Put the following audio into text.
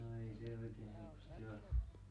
no ei siellä oikein helposti ole